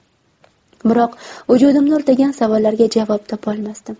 biroq vujudimni o'rtagan savollarga javob topolmasdim